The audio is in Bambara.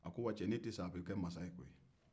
cɛnin tɛ sa a be ke masa ye